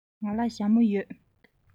ང ལ ཞྭ མོ ཡོད